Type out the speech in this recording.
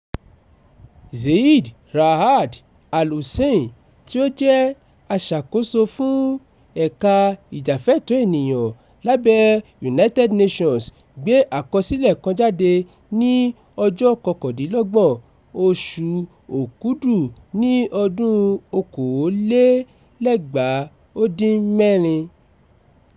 Zeid Ra'ad Al Hussein, tí ó jẹ́ aṣàkóso fún ẹ̀ka ìjàfẹ́tọ̀ọ́ ènìyàn lábẹ́ United Nations gbé àkọsílẹ̀ kan jáde ní 29, oṣù Òkúdù 2016.